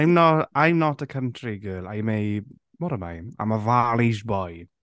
I'm no- I'm not a country girl. I'm a... what am I? I'm a Valleys boy.